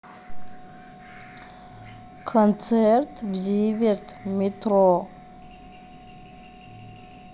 концерт зиверт в метро